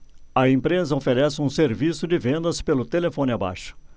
a empresa oferece um serviço de vendas pelo telefone abaixo